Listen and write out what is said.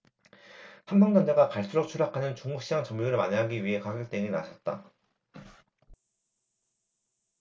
삼성전자가 갈수록 추락하는 중국 시장 점유율을 만회하기 위해 가격 대응에 나섰다